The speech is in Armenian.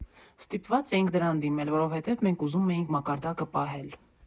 Սիտպված էինք դրան դիմել, որովհետև մենք ուզում էինք մակարդակը պահել։